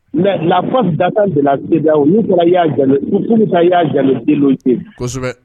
Mais la force d'abord c'est la CDEAO n'u taara Yaya Jame n'u taara Yaya Jame prioriser kosɛbɛ